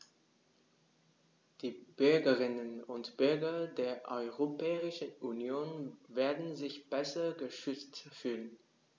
Die Bürgerinnen und Bürger der Europäischen Union werden sich besser geschützt fühlen.